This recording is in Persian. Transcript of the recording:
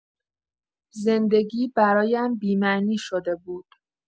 زندگی برایم بی‌معنی شده بود.